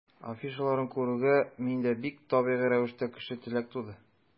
Афишаларын күрүгә, миндә бик табигый рәвештә көчле теләк туды.